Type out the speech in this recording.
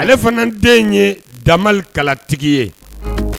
ale fana den ye dakalatigi ye